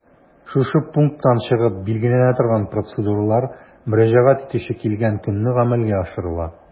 Шушы пункттан чыгып билгеләнә торган процедуралар мөрәҗәгать итүче килгән көнне гамәлгә ашырыла.